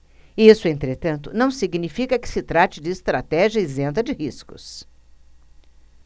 isso entretanto não significa que se trate de estratégia isenta de riscos